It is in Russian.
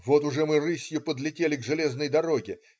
Вот уже мы рысью подлетели к железной дороге.